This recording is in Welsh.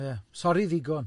Ie, sori ddigon.